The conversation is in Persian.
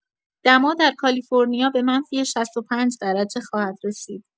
دما در کالیفرنیا به منفی ۶۵ درجه خواهد رسید.